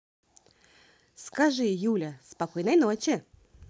скажи юля спокойной ночи